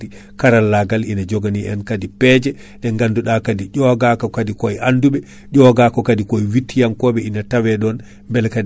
donc ma daamo hen ha kaadi ilam ɗam arti nde ilam ɗam arti nde kaadi fandi kaddi en ji kaadi toɓoji ɗi garani nde ponno arde